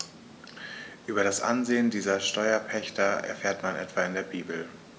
Über das Ansehen dieser Steuerpächter erfährt man etwa in der Bibel.